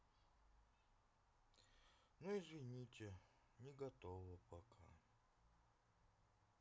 ну извините не готова пока